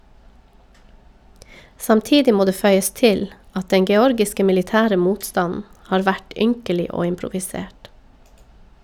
Samtidig må det føyes til at den georgiske militære motstanden har vært ynkelig og improvisert.